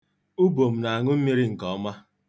Ubom na-aṅụ mmiri nke ọma.